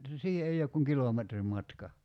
siihen ei ole kuin kilometrin matka